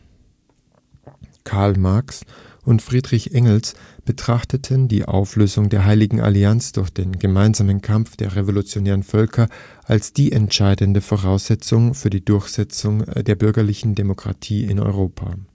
Karl Marx und Friedrich Engels betrachteten die Auflösung der Heiligen Allianz durch den gemeinsamen Kampf der revolutionären Völker als die entscheidende Voraussetzung für die Durchsetzung der bürgerlichen Demokratie in Europa